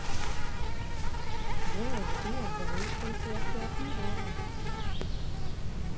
джой сбер говорит что у тебя приятный голос